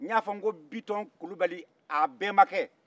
n y'a fɔ n ko bitɔn kulubali a bɛmakɛ